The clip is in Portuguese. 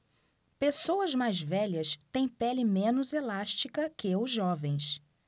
pessoas mais velhas têm pele menos elástica que os jovens